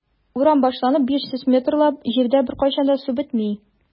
Урам башланып 500 метрлап җирдә беркайчан да су бетми.